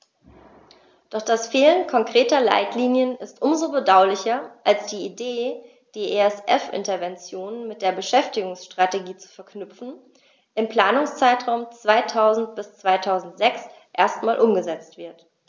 Doch das Fehlen konkreter Leitlinien ist um so bedauerlicher, als die Idee, die ESF-Interventionen mit der Beschäftigungsstrategie zu verknüpfen, im Planungszeitraum 2000-2006 erstmals umgesetzt wird.